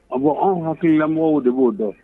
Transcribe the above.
A ko anw hakɛ yamɔgɔ de b'o dɔn